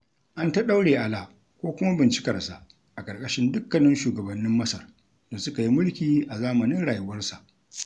An ta ɗaure Alaa ko kuma bincikarsa a ƙarƙashin dukkanin shugabannin Masar da suka yi mulki a zamanin rayuwarsa.